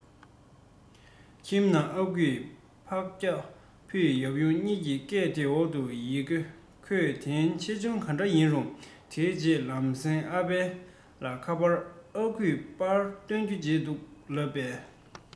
ཁྱིམ ནང ཨ ཁུ ཕག སྐྱག ཕུད ཡབ ཡུམ གཉིས ཀྱི སྐད དེའི འོག ཏུ ཡི གེ ཁོས དོན ཆེ ཆུང གང འདྲ ཡིན རུང དེའི རྗེས ལམ སེང ཨ ཕ ལ ཁ པར ཨ ཁུས པར བཏོན རྒྱུ བརྗེད འདུག ལབ པས